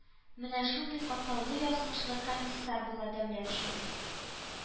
Менә шундый катлаулы язмышлы комиссар була Дәүләтшин